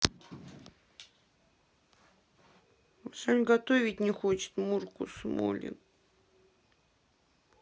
жаль готовить не хочет мурку смолин